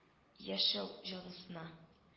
— яшәү җәзасына…